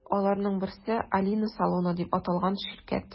Аларның берсе – “Алина салоны” дип аталган ширкәт.